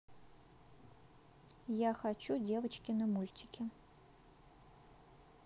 я хочу девочкины мультики